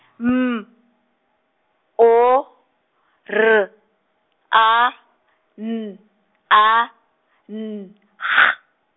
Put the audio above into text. M, O, R, A, N, A, N G.